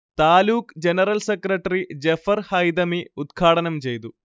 taluk general secretary Jafar Haithami ഉദ്ഘാടനം ചെയ്തു